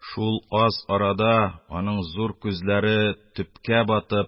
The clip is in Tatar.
Шул аз арада аның зур күзләре төпкә батып,